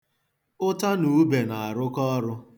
Ụta na ube na-arụkọ ọrụ.